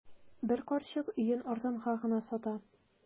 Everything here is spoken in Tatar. Бер карчык өен арзанга гына сата.